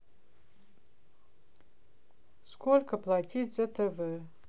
сколько платить за тв